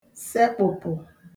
sekpụ̀pụ̀